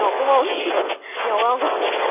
nhột đúng hông nhột hông